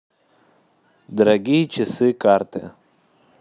дорогие часы карте